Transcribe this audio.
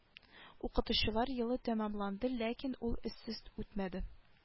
Укытучылар елы тәмамланды ләкин ул эзсез үтмәде